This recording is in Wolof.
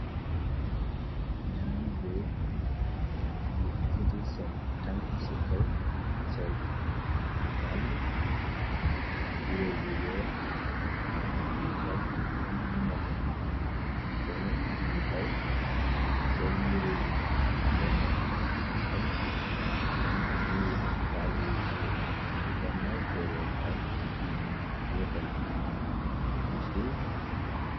Naay goo yu ekiti seen tank ci kaw soli dàll jire yu weex ak nu xonk am lu nete keneen muy daw solwire yu nete ak lug ñuul dàlly ñuul fi ganaaw tooreekaay ño fa ne ci suuf.